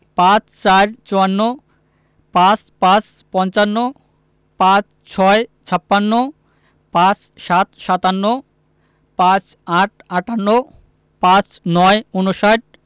৫৪ - চুয়ান্ন ৫৫ – পঞ্চান্ন ৫৬ – ছাপ্পান্ন ৫৭ – সাতান্ন ৫৮ – আটান্ন ৫৯ - ঊনষাট